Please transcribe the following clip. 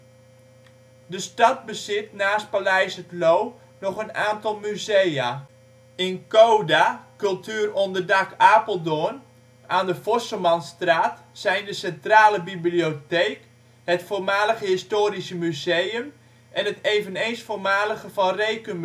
stad bezit naast paleis Het Loo nog een aantal musea. In CODA (Cultuur Onder Dak Apeldoorn) aan de Vosselmanstraat zijn de centrale bibliotheek, het voormalige historische museum en het eveneens voormalige Van Reekum